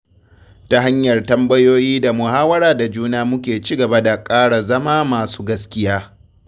Ta hanyar tambayoyi da muhawara da juna muke ci gaba da ƙara zama masu gaskiya.